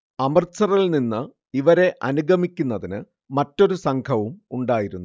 അമൃത്സറിൽനിന്ന് ഇവരെ അനുഗമിക്കുന്നതിന് മറ്റൊരു സംഘവും ഉണ്ടായിരുന്നു